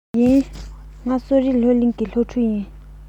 ཡིན ང གསོ རིག སློབ གླིང གི སློབ ཕྲུག ཡིན